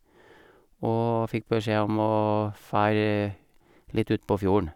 Og fikk beskjed om å fær litt utpå fjorden.